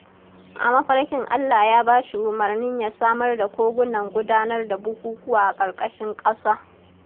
A mafarkin Allah Ya ba shi umarnin ya samar da kogunan gudanar da bukukuwa a ƙarƙashin ƙasa